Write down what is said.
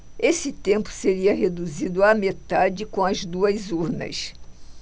esse tempo seria reduzido à metade com as duas urnas